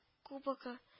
Кубогы